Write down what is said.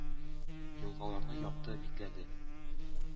Елгаларны япты, бикләде,